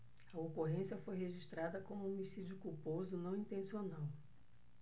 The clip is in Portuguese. a ocorrência foi registrada como homicídio culposo não intencional